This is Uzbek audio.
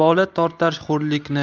bola tortar xo'rlikni